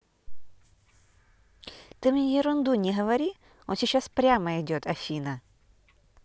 ты мне ерунду не говори он сейчас прямо идет афина